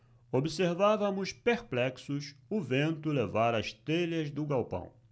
observávamos perplexos o vento levar as telhas do galpão